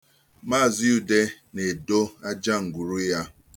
Mz. Ude na-edo aja ngwuru ya.